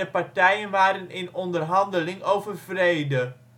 partijen waren in onderhandeling over vrede